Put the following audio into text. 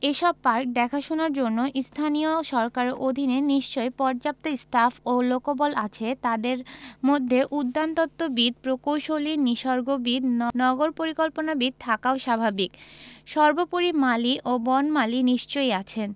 এসব পার্ক দেখাশোনার জন্য স্থানীয় সরকারের অধীনে নিশ্চয়ই পর্যাপ্ত স্টাফ ও লোকবল আছে তাদের মধ্যে উদ্যানতত্ত্ববিদ প্রকৌশলী নিসর্গবিদ ন নগর পরিকল্পনাবিদ থাকাও স্বাভাবিক সর্বোপরি মালি ও বনমালী নিশ্চয়ই আছেন